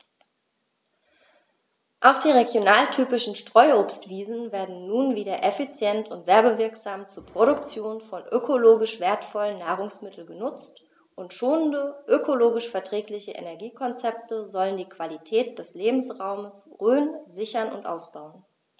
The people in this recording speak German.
Auch die regionaltypischen Streuobstwiesen werden nun wieder effizient und werbewirksam zur Produktion von ökologisch wertvollen Nahrungsmitteln genutzt, und schonende, ökologisch verträgliche Energiekonzepte sollen die Qualität des Lebensraumes Rhön sichern und ausbauen.